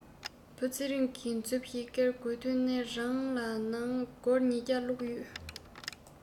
བུ ཚེ རིང གྱི མཛུབ ཞིག ཀེར དགོས དོན ནི རང ལ དང ནང སྒོར ཉི བརྒྱ བླུག ཡོད